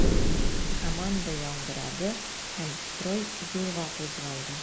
Команда яңгырады һәм строй юлга кузгалды.